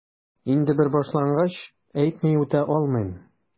Инде бер башлангач, әйтми үтә алмыйм...